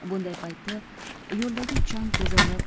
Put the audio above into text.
bunday paytda yo'ldagi chang to'zonlar